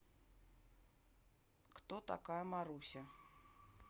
кто такая маруся